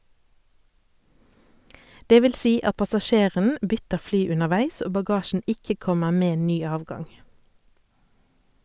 Det vil si at passasjeren bytter fly underveis og bagasjen ikke kommer med ny avgang.